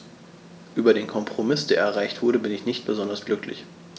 Über den Kompromiss, der erreicht wurde, bin ich nicht besonders glücklich.